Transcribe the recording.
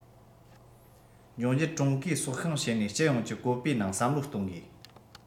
འབྱུང འགྱུར ཀྲུང གོའི སྲོག ཤིང བྱེད ནས སྤྱི ཡོངས ཀྱི བཀོད པའི ནང བསམ བློ གཏོང དགོས